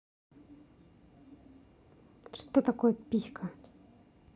что такое писька